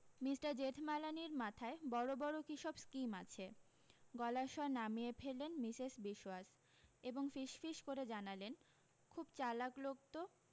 mister জেঠমালানির মাথায় বড় বড় কীসব স্কীম আছে গলার স্বর নামিয়ে ফেললেন মিসেস বিশোয়াস এবং ফিসফিস করে জানালেন খুব চালাক লোক তো